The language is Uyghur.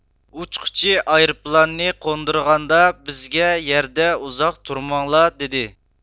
ئۇچقۇچى ئايروپىلاننى قوندۇرغاندا بىزگە يەردە ئۇزاق تۇرماڭلار دېدى